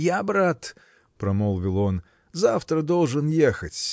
-- Я, брат, -- промолвил он, -- завтра должен ехать